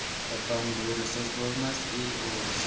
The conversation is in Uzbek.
qo'ton bo'risiz bo'lmas el o'g'risiz